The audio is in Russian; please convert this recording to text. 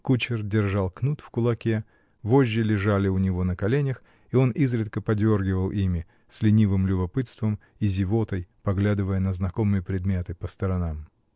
Кучер держал кнут в кулаке, вожжи лежали у него на коленях, и он изредка подергивал ими, с ленивым любопытством и зевотой поглядывая на знакомые предметы по сторонам.